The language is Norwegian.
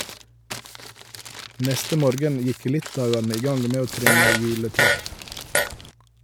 Neste morgen gikk litauerne i gang med å trimme juletrær.